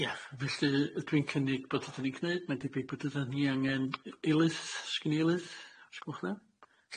Ie felly yy dwi'n cynnig bod ydyn ni'n gneud mae'n debyg bod ydyn ni angen yy eilydd sgin i eilydd sgwelwch n dda?